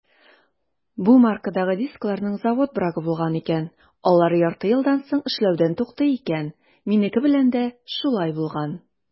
Бу маркадагы дискларның завод брагы булган икән - алар ярты елдан соң эшләүдән туктый икән; минеке белән дә шулай булган.